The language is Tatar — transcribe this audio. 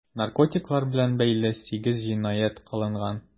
Наркотиклар белән бәйле 8 җинаять кылынган.